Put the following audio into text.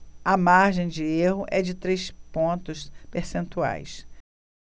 a margem de erro é de três pontos percentuais